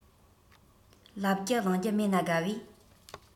ལབ རྒྱུ གླེང རྒྱུ མེད ན དགའ བས